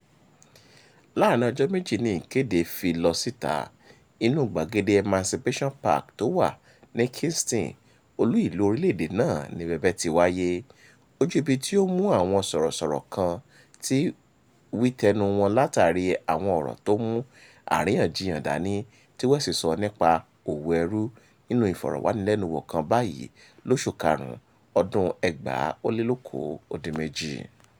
Láàárín ọjọ́ méjì ni ìkéde fi lọ síta, inúu gbàgede Emancipation Park tó wà ní Kingston, olú ìlú orílẹ̀ èdè náà ni bẹbẹ́ ti wáyé — ojú ibi tí ó mú àwọn sọ̀rọ̀sọ̀rọ̀ kan wí tẹnu wọn látàrí àwọn ọ̀rọ̀ tó mú àríyànjiyàn dání tí West sọ nípa òwò ẹrú nínú ìfọ̀rọ̀wánilẹ́nuwò kan báyìí lóṣù karùn-ún ọdún-un 2018.